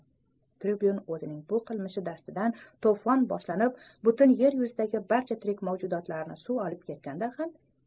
tribyun o'zining shu qilmishi dastidan to'fon boshlanib butun yer yuzidagi barcha tirik mavjudotlarni suv olib ketganda ham